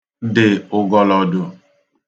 dị̀ ụ̀gọ̀lọ̀dụ̀